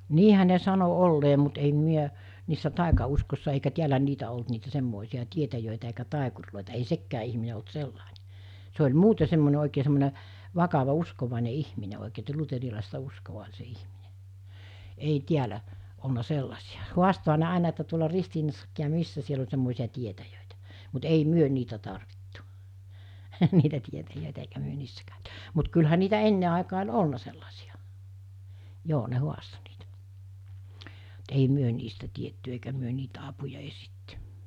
niinhän ne sanoi olleen mutta en minä niissä taikauskoissa eikä täällä niitä ollut niitä semmoisia tietäjiä eikä taikureita ei sekään ihminen ollut sellainen se oli muuten semmoinen oikein semmoinen vakava uskovainen ihminen oikein että luterilaista uskoa oli se ihminen ei täällä ollut sellaisia haastoihan ne aina että tuolla Ristiinassakin ja missä siellä oli semmoisia tietäjiä mutta ei me niitä tarvittu niitä tietäjiä eikä me niissä käyty mutta kyllähän niitä ennen aikaan oli ollut sellaisia joo ne haastoi niitä mutta ei me niistä tiedetty eikä me niiltä apua etsitty